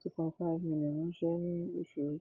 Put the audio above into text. $2.5 ránṣẹ́ ní oṣooṣù.